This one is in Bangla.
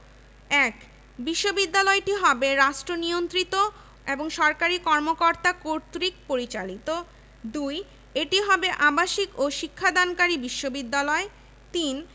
১. বিশ্ববিদ্যালয়টি হবে রাষ্ট্রনিয়ন্ত্রিত এবং সরকারি কর্মকর্তা কর্তৃক পরিচালিত ২. এটি হবে আবাসিক ও শিক্ষাদানকারী বিশ্ববিদ্যালয় ৩